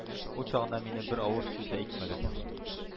Ул чагында миңа бер авыр сүз дә әйтмәгән...